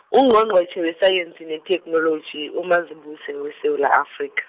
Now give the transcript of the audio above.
Ungqongqotjhe wesayensi netheknoloji uMazibuse weSewula Afrika.